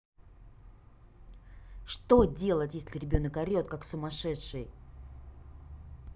что делать если ребенок орет как сумасшедший